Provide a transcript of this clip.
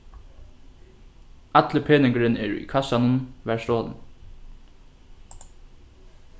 allur peningurin er í kassanum varð stolin